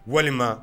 Walima